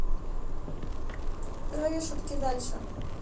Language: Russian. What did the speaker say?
траве шутки дальше